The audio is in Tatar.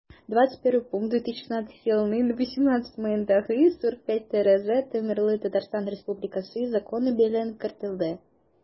21 пункт 2016 елның 18 маендагы 45-трз номерлы татарстан республикасы законы белән кертелде